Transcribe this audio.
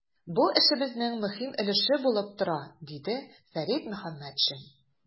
Бу эшебезнең мөһим өлеше булып тора, - диде Фәрит Мөхәммәтшин.